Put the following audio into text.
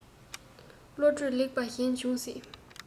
བློ གྲོས ལེགས པ གཞན འབྱུང སྲིད